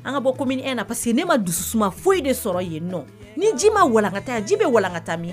An ka bɔ ko e na parce que ne ma dusu foyi de sɔrɔ yen nɔ ni ji ma wakata ji bɛ wakata min